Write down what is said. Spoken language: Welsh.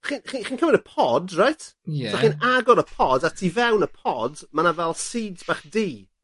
chi'n chi chi'n cymryd y pod reit? Ie. So chi'n agor y pod a tu fewn y pod ma' 'na fel seeds bach du.